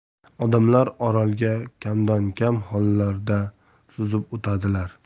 odamlar orolga kamdan kam hollarda suzib o'tadilar